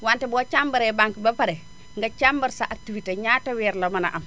wante boo càmbaree banque bi ba pare nga càmbar sa activité ñaata weer la mën a am